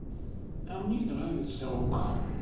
а мне нравиться рок